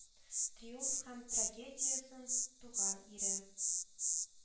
Триумф һәм трагедиясен, туган ире